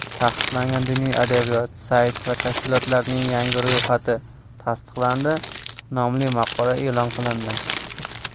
taqiqlangan diniy adabiyot sayt va tashkilotlarning yangi ro'yxati tasdiqlandi nomli maqola e'lon qilindi